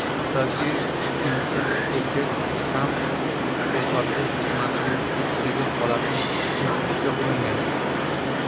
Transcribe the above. hattoki o'tkinchi erkak ham yo patrul xizmati inspektoriga holatni tushuntirishga uringan